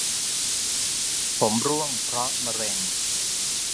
ผมร่วงเพราะมะเร็ง